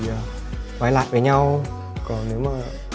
quay lại với nhau còn nếu mà